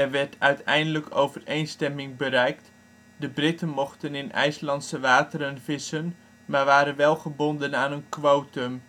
werd uiteindelijk overeenstemming bereikt, de Britten mochten in IJslandse wateren vissen, maar waren wel gebonden aan een quotum